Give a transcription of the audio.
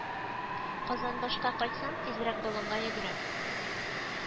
Казанбашка кайтсам, тизрәк болынга йөгерәм